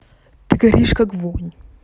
ты горишь как вонь